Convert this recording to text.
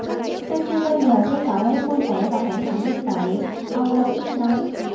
tôi chưa bao giờ thấy cậu ấy vui vẻ và khỏe mạnh như vậy ông louis nói